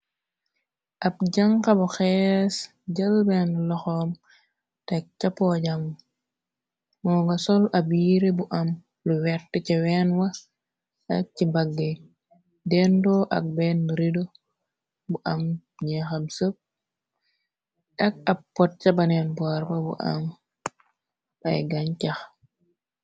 ab janxabu xees jël benn loxoom tek ca pojam moo nga sol ab yire bu am lu wert ca ween wa ak ci bagge dendo ak benn rido bu am ñe xab sep dak ab pot ca baneen borba bu am ay gañ cax